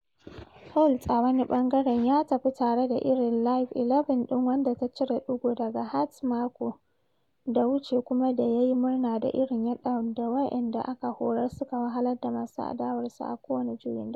Holt, a wani ɓangaren, ya tafi tare da irin Livi 11 ɗin wanda ta cire ɗigo daga Hearts mako da wuce kuma da ya yi murna da irin yadda waɗanda ya horar suka wahalar da masu adawarsu a kowane juyin da aka yi.